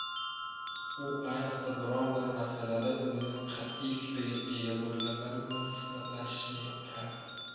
u ayniqsa biron bir masalada o'zining qat'iy fikriga ega bo'lganlar bilan suhbatlashishni yoqtirardi